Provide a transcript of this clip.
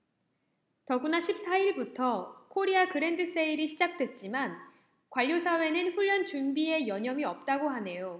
더구나 십 사 일부터 코리아 그랜드세일이 시작됐지만 관료사회는 훈련 준비에 여념이 없다고 하네요